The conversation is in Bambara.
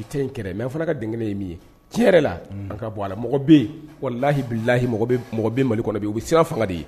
mais aw fana ka ye min ye, tiɲɛn yɛrɛ la, an k'a bɔ'la mɔgɔ bɛ Malikɔɔnɔ, wallahi, billahi mɔgɔ bɛ yen u bɛ siran fanga de ɲɛn